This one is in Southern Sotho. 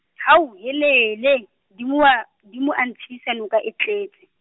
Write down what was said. Hauhelele, Dimo wa, Dimo wa ntshedisa noka e tletse.